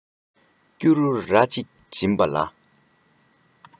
སྐྱུ རུ ར གཅིག བྱིན པ ལ